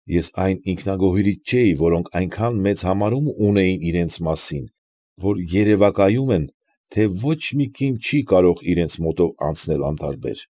Ես այն ինքնագոհներից չէի, որոնք այնքան մեծ համարում ունեին իրենց մասին, որ երևակայում են, թե ոչ մի կին չի կարող իրենց մոտով անցնել անտարբեր։